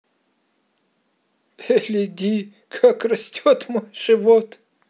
эли ди как растет мой живот